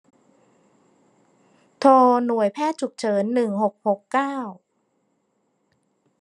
โทรหน่วยแพทย์ฉุกเฉินหนึ่งหกหกเก้า